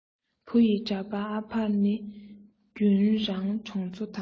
བུ ཡི འདྲ པར ཨ ཕ ནི རྒྱུན རང གྲོང ཚོ དང